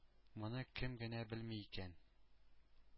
Моны кем генә белми икән...